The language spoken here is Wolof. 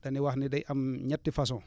dañuy wax ne day am ñetti façon